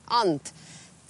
Ond